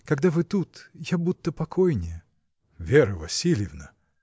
Когда вы тут — я будто покойнее. — Вера Васильевна!